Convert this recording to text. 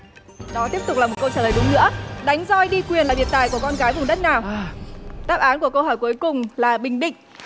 đó tiếp tục là một câu trả lời đúng nữa đánh roi đi quyền là biệt tài của con gái vùng đất nào đáp án của câu hỏi cuối cùng là bình định